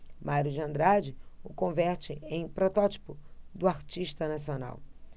mário de andrade o converte em protótipo do artista nacional